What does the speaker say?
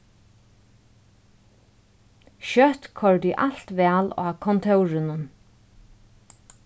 skjótt koyrdi alt væl á kontórinum